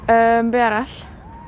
Yym, be'arall?